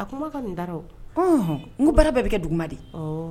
bara bɛɛ bɛ kɛ dugu ma de, awɔ.